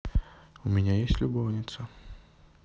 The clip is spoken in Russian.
у меня есть любовница